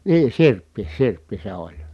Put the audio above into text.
niin sirppi sirppi se oli